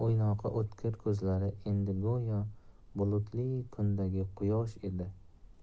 go'yo bulutli kundagi quyosh edi